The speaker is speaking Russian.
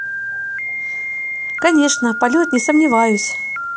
конечно полет не сомневаюсь